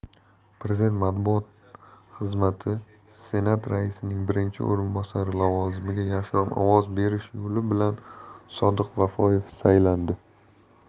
prezident matbuot xizmatisenat raisining birinchi o'rinbosari lavozimiga yashirin ovoz berish yo'li bilan sodiq safoyev saylandi